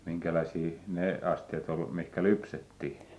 minkälaisia ne astiat oli mihin lypsettiin